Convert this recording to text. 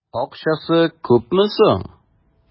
Акчасы күпме соң?